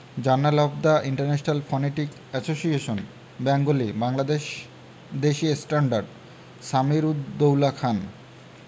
journal of the International Phonetic Association Bengali Bangladesh দেশি standard Samir ud Daula খান